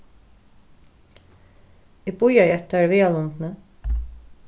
eg bíðaði eftir tær í viðarlundini